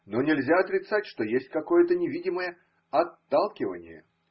но нельзя отрицать, что есть какое-то невидимое отталкивание.